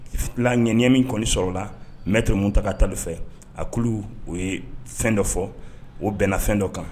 La ɲɛɲɛ min kɔni sɔrɔla la mɛ to taka ta fɛ akulu o ye fɛn dɔ fɔ o bɛnna fɛn dɔ kan